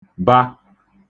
ba